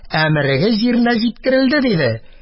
Әмерегез җиренә җиткерелде, – диде.